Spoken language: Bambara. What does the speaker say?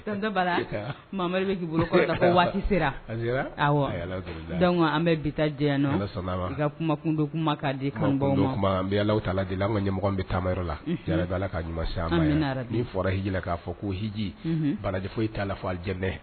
Mamari waati sera an bɛ bi kumakundo kuma di t la ɲɛ bɛ taayɔrɔ la k'a fɔ ko hji bala foyi t'a la